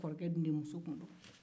kɔrɔ dun muso tun don